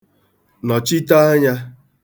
nọ̀chite anyā